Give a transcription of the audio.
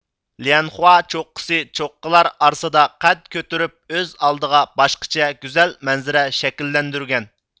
ليەنخۇا چوققىسى چوققىلار ئارىسىدا قەد كۆتۈرۈپ ئۆز ئالدىغا باشقىچە گۈزەل مەنزىرە شەكىللەندۈرگەن